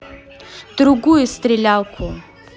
другую стрелялку